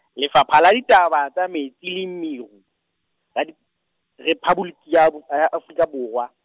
Lefapha la Ditaba tsa Metsi le Meru, Radi-, Rephaboliki ya bo, ya Afrika Borwa.